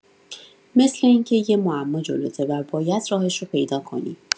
مثل این که یه معما جلوته و باید راهش رو پیدا کنی.